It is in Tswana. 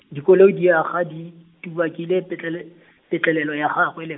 dikoloi di aga di, tubakile petlele-, patlelelo- ya gagwe le.